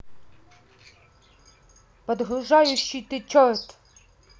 подгружающий ты черт